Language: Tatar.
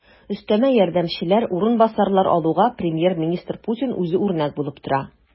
Өстәмә ярдәмчеләр, урынбасарлар алуга премьер-министр Путин үзе үрнәк булып тора.